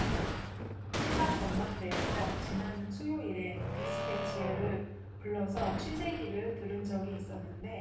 시사전망대에서 지난 수요일에 디스패치의 를 불러서 취재기를 들은 적이 있었는데